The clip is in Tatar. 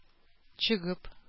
Чыгып